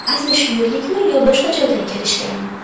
asli shu yerlikmi yo boshqa joydan kelishganmi